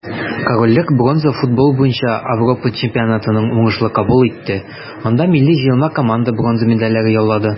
Корольлек бронза футбол буенча Ауропа чемпионатын уңышлы кабул итте, анда милли җыелма команда бронза медальләрне яулады.